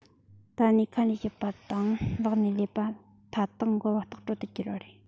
ཏཱ ལའི ཁ ནས བཤད པ དང ལག ནས སྒྲུབ པ མཐའ དག འགལ བ ལྟག སྤྲོད དུ གྱུར པ རེད